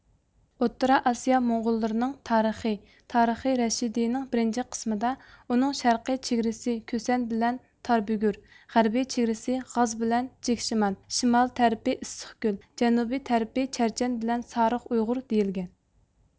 ئوتتۇرا ئاسىيا موڭغۇللىرىنىڭ تارىخى تارىخى رەشىدىينىڭ بىرىنچى قىسمىدا ئۇنىڭ شەرقىي چېگرىسى كۈسەن بىلەن تاربۈگۈر غەربىي چېگرىسى غاز بىلەن جېكشىمان شىمال تەرىپى ئىسسىق كۆل جەنۇبىي تەرىپى چەرچەن بىلەن سارىخ ئۇيغۇر دېيىلگەن